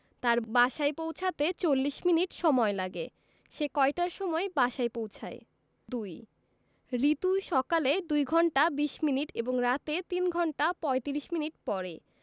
তার বাসায় পৌছাতে ৪০ মিনিট সময় লাগে সে কয়টার সময় বাসায় পৌছায় ২ রিতু সকালে ২ ঘন্টা ২০ মিনিট এবং রাতে ৩ ঘণ্টা ৩৫ মিনিট পড়ে